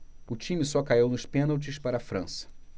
o time só caiu nos pênaltis para a frança